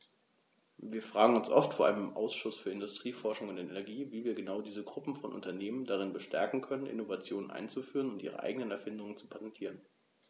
Wir fragen uns oft, vor allem im Ausschuss für Industrie, Forschung und Energie, wie wir genau diese Gruppe von Unternehmen darin bestärken können, Innovationen einzuführen und ihre eigenen Erfindungen zu patentieren.